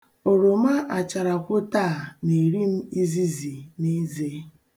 Oroma acharakwoto a na-eri m izizi n'eze.